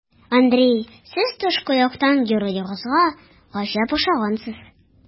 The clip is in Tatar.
Андрей, сез тышкы яктан героегызга гаҗәп охшагансыз.